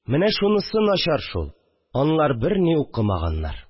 Менә шунысы начар шул: алар берни укымаганнар